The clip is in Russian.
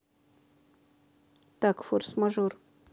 так форс мажор